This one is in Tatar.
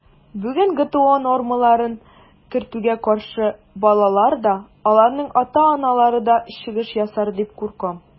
Бүген ГТО нормаларын кертүгә каршы балалар да, аларның ата-аналары да чыгыш ясар дип куркам.